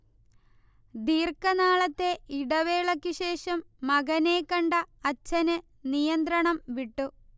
ദീർഘനാളത്തെ ഇടവേളയ്ക്കു ശേഷം മകനെ കണ്ട അച്ഛന് നിയന്ത്രണംവിട്ടു